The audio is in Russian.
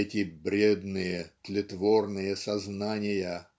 "эти бредные тлетворные сознания"